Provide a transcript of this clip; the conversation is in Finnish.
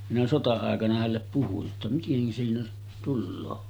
minä sota-aikana hänelle puhuin jotta miten siinä tulee